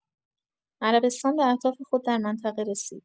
عربستان به اهداف خود در منطقه رسید.